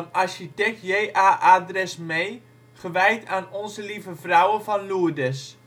J.A.A. Dresmé, gewijd aan Onze Lieve Vrouwe van Lourdes